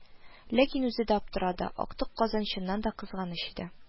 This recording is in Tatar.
Ләкин үзе дә аптырады: актык казан чыннан да кызганыч иде